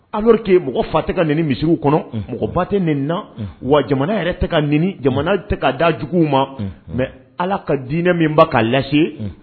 Alors que mɔgɔ fa tɛ ka nenin misiriw kɔnɔ unhun mɔgɔ ba tɛ neninna unhun wa jamana yɛrɛ tɛ ka neni jamana tɛ ka da juguw ma unhun mais Ala ka diinɛ min bɛ k'a lase unhun